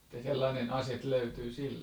että sellainen ase löytyi sille